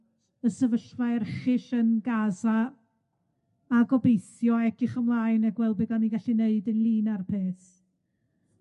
y sefyllfa erchyll yn Gaza, a gobeithio edrych ymlaen a gweld be' 'dan ni'n gallu neud ynglyn â'r peth.